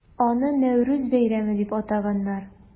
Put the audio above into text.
Аны Нәүрүз бәйрәме дип атаганнар.